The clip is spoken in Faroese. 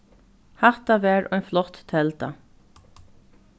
hatta var ein flott telda